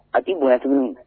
A tɛ bonya tuguni